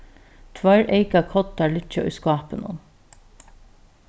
tveir eyka koddar liggja í skápinum